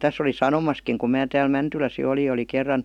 tässä olin sanomassakin kun minä täällä Mäntylässä jo oli ja oli kerran